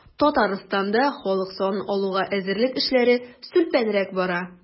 Татарстанда халык санын алуга әзерлек эшләре сүлпәнрәк бара.